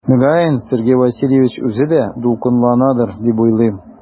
Мөгаен Сергей Васильевич үзе дә дулкынланадыр дип уйлыйм.